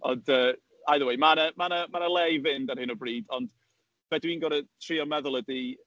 Ond yy either way ma' 'na ma' 'na ma' 'na le i fynd ar hyn o bryd, ond be dwi'n goro trio meddwl ydy…